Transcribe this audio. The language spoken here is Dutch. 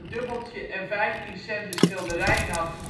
dubbeltje en vijftien cent de schilderijen had